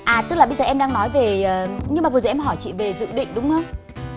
à tức là bây giờ em đang nói về ờ nhưng mà vừa rồi em hỏi chị về dự định đúng không